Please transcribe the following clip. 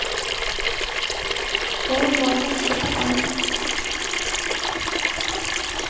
полубота что такое